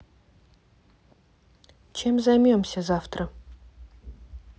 чем займемся завтра